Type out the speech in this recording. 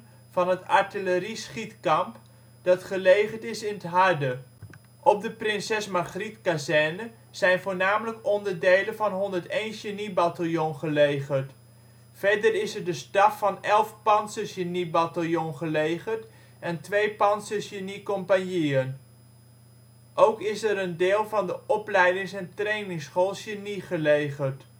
van het Artillerie Schietkamp dat gelegerd is in ' t Harde. Op de Prinses Margrietkazerne zijn voornamelijk onderdelen van 101 Geniebataljon gelegerd. Verder is er de staf van 11 Pantsergeniebataljon gelegerd met twee pantsergeniecompagnieën. Ook is er een deel van de Opleidings - en Trainingsschool Genie gelegerd